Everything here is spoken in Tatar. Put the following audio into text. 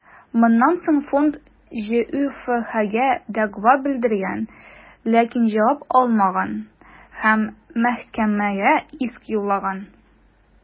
Моннан соң фонд ҖҮФХгә дәгъва белдергән, ләкин җавап алмаган һәм мәхкәмәгә иск юллаган.